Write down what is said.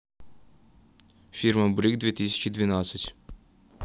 фирма бриг две тысячи двенадцать